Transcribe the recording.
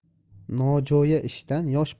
nojo'ya ishdan yosh